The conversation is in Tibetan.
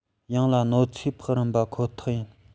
ཡང ལ གནོད འཚེ ཕོག རིགས པ ཁོ ཐག ཡིན